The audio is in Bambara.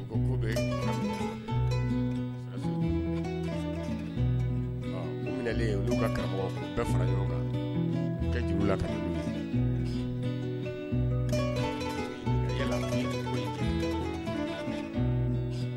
O ko bɛlenu ka karamɔgɔ bɛɛ fara yɔrɔ kan ka jugu la tan